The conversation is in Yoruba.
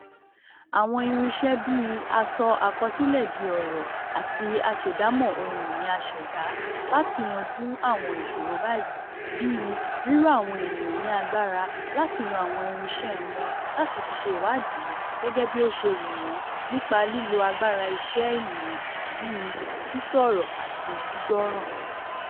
Àwọn irinṣẹ́ bí i asọ-àkọsílẹ̀- di ọ̀rọ̀ àti aṣèdámọ̀ ohun ni a ṣèdá láti yanjú àwọn ìsòro báyìí bí i: ríró àwọn ènìyan ní agbára láti lo àwọn irinṣẹ́ wọn láti fi ṣe ìwádìí gẹ́gẹ́ bí ó ṣe wù wọ́n, nípa lílo agbára-iṣẹ́ ènìyàn bí i sísọ̀rọ̀ àti gbígbọ́rọ̀.